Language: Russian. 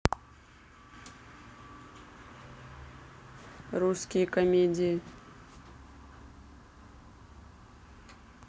русские комедии